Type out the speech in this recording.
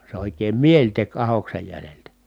se oikein mieli teki ahdoksen jäljiltä